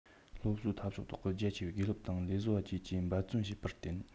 སློབ གསོའི འཐབ ཕྱོགས ཐོག གི རྒྱ ཆེའི དགེ སློབ དང ལས བཟོ པ བཅས ཀྱིས འབད བརྩོན བྱས པར བརྟེན